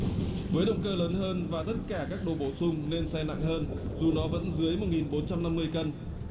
với động cơ lớn hơn và tất cả các đồ bổ sung nên xe nặng hơn dù nó vẫn dưới một nghìn bốn trăm năm mươi cân